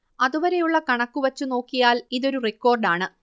അതുവരെയുള്ള കണക്കു വച്ചു നോക്കിയാൽ ഇതൊരു റിക്കോർഡാണ്